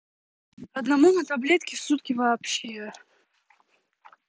одному на таблетки сутки вообще